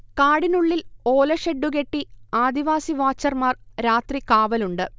കാടിനുള്ളിൽ ഓലഷെഡ്ഡുകെട്ടി ആദിവാസി വാച്ചർമാർ രാത്രി കാവലുണ്ട്